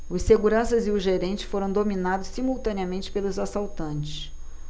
os seguranças e o gerente foram dominados simultaneamente pelos assaltantes